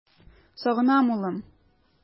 Сагынам, улым!